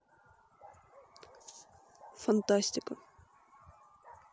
фантастика